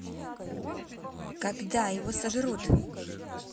когда его сожрут